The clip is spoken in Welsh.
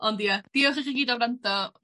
Ond ia, diolch i chi gyd am wrando.